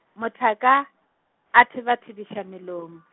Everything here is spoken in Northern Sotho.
mothaka, a thebathebiša melomo.